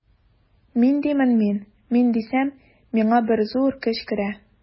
Мин димен мин, мин дисәм, миңа бер зур көч керә.